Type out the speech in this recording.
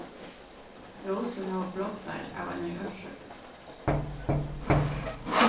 rósur hava broddar av einari orsøk